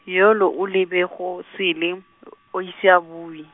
yole a lebe go sele, a ise a bue.